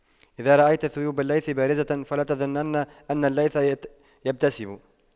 إذا رأيت نيوب الليث بارزة فلا تظنن أن الليث يبتسم